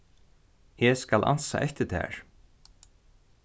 eg skal ansa eftir tær